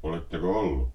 oletteko ollut